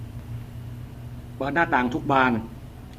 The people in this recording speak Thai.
เปิดหน้าต่างทุกบาน